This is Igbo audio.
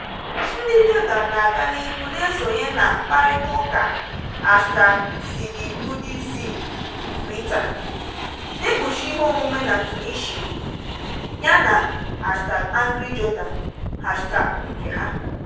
Ndị Jordan na-aga n'ihu na-esonye na mkparịta ụka #sidibouzid Twitter (na-ekpuchi ihe omume na Tunisia), yana #angryjordan hashtag nke ha.